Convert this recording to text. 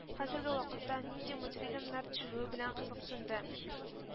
Хәзерге вакытта нинди мультфильмнар төшерүе белән кызыксынды